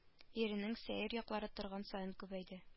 Иренең сәер яклары торган саен күбәйде